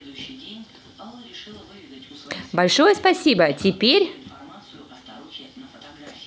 большое спасибо теперь